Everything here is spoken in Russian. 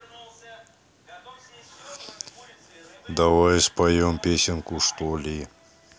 давай споем песенку что ли